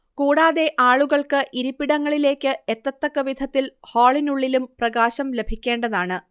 കൂടാതെ ആളുകൾക്ക് ഇരിപ്പിടങ്ങളിലേക്ക് എത്തത്തക്കവിധത്തിൽ ഹാളിനുള്ളിലും പ്രകാശം ലഭിക്കേണ്ടതാണ്